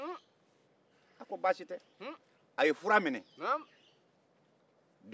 a ye fura minɛ